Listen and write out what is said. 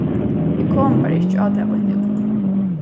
eg komi bara ikki á tað beint nú